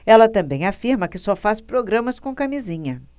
ela também afirma que só faz programas com camisinha